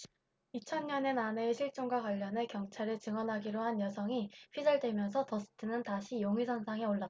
이천 년엔 아내의 실종과 관련해 경찰에 증언하기로 한 여성이 피살되면서 더스트는 다시 용의선상에 올랐다